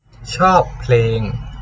ชอบเพลง